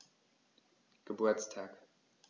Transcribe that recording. Geburtstag